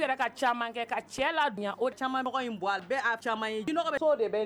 Caman